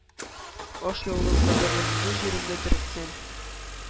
Ашъяулык кадәрле шушы җиремдә төртсәм